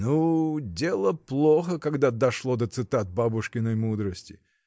— Ну, дело плохо, когда дошло до цитат бабушкиной мудрости.